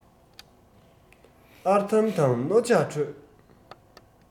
ཨར དམ དང རྣོ ལྕགས ཁྲོད